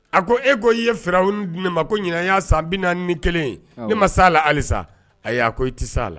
A ko e ko i ye f di ne ma ko ɲin i y'a san bɛna ni kelen ne ma se a la halisa ayiwa a ko i tɛ se a la